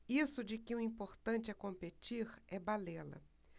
isso de que o importante é competir é balela